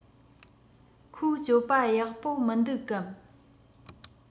ཁོའི སྤྱོད པ ཡག པོ མི འདུག གམ